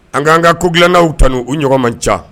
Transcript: An k kanan ka kolnaw taun u ɲɔgɔn ma ca